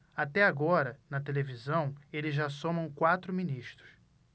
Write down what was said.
até agora na televisão eles já somam quatro ministros